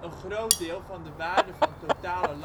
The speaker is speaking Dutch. groot deel van de waarde van totale